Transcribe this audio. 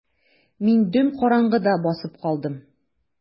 Мин дөм караңгыда басып калдым.